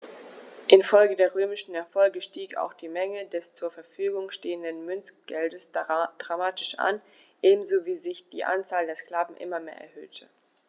Infolge der römischen Erfolge stieg auch die Menge des zur Verfügung stehenden Münzgeldes dramatisch an, ebenso wie sich die Anzahl der Sklaven immer mehr erhöhte.